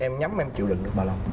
em nhắm em chịu đựng được bao lâu